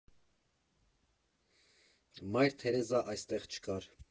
Մայր Թերեզա այստեղ չկար։